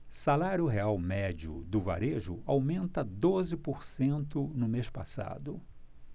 salário real médio do varejo aumenta doze por cento no mês passado